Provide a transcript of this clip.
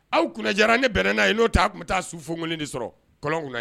Aw kun kunnaja an ni bɛn n'a ye n'o ta tun bɛ taa su fom de sɔrɔ kolon